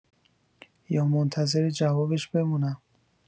یا منتظر جوابش بمونم؟